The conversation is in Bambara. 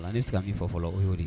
Ale bɛ se ka k' fɔ fɔlɔ o y'